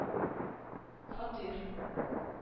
Фатир